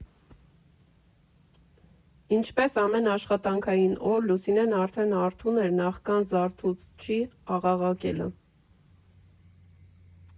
Ինչպես ամեն աշխատանքային օր, Լուսինեն արդեն արթուն էր՝ նախքան զարթուցչի աղաղակելը։